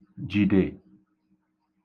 jìdè